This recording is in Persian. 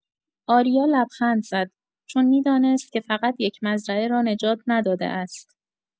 آریا لبخند زد، چون می‌دانست که فقط یک مزرعه را نجات نداده است.